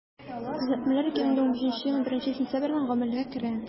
Төзәтмәләр 2015 елның 1 сентябреннән гамәлгә керә.